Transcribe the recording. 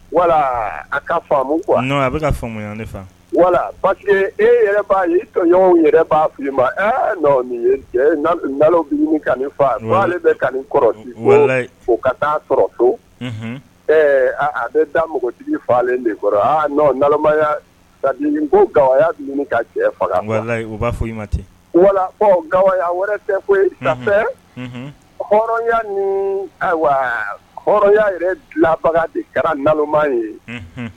Wala a ka faama ko a wala pa e yɛrɛ' yeɲɔgɔn yɛrɛ'a fili ma cɛ bɛ ka fa ale bɛ ka kɔrɔ ka taaa sɔrɔ to ɛɛ a bɛ taa npogotigi falen de kɔrɔ aaya ko gaya bɛ ɲini ka jɛ faga fɔ wala ga wɛrɛ tɛ koyiya min ayiwa hɔrɔnya yɛrɛ dilanbaga de kɛra nama ye